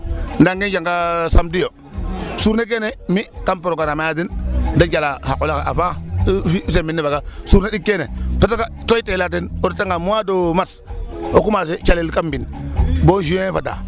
Nangee njanga Samedi yo journée kene kaam programmer a den da njala xa qol axe avant fi' semaine ne faaga journée ɗik kene fat i teala teen o retanga mois de Mars o commencer celel kaam mbind bo juin fadaa.